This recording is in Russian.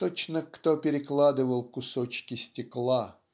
"точно кто перекладывал кусочки стекла".